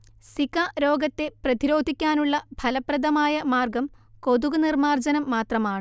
Zika രോഗത്തെ പ്രതിരോധിക്കാനുള്ള ഫലപ്രദമായ മാർഗ്ഗം കൊതുകുനിർമ്മാർജ്ജനം മാത്രമാണ്